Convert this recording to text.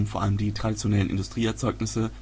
vor allem die traditionellen Industrieerzeugnisse